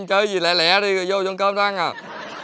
chơi rồi lẹ lẹ đi dô dọn cơm tao ăn à